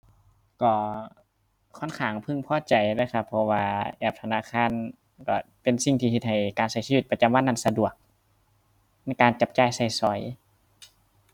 ก็ค่อนข้างพึงพอใจเลยครับ เพราะว่าแอปธนาคารก็เป็นสิ่งที่เฮ็ดให้การก็ชีวิตประจำวันนั้นสะดวก ในการจับจ่ายก็สอย